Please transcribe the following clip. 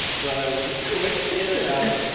So wna i jyst quick, in and out!